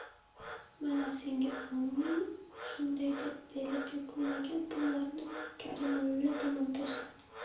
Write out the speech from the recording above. mana senga o'n ming u shunday deb beli bukilmagan pullarni karimulla tomon tashladi